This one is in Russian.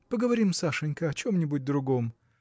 Поговорим, Сашенька, о чем-нибудь другом.